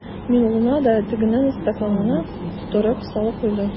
Миңнулла да тегенең стаканына тутырып салып куйды.